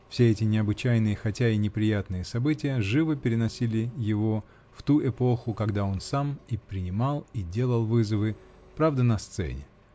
Все эти необычайные, хотя и неприятные, события живо переносили его в ту эпоху, когда он сам и принимал и делал вызовы, -- правда, на сцене.